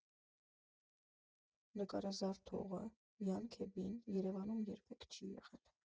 Նկարազարդողը՝ Յան Քեբին, Երևանում երբեք չի եղել։